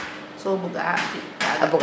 so buga fi kaga